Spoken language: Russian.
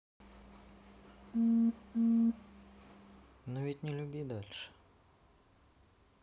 но ведь не люби дальше